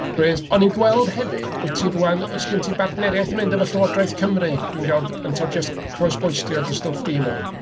Briliant. On i'n gweld hefyd, wyt ti rŵan, oes gen ti bartneriaeth yn mynd efo Llywodraeth Cymru, dwi'n gweld? Ynteu jyst croes boistio dy stwff di maen nhw?